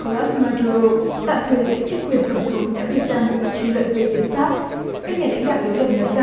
co lát ma đu rô tạm thời giữ chức quyền tổng thống đã gây ra một cuộc tranh luận về hiến pháp các nhà lãnh đạo đối lập nói rằng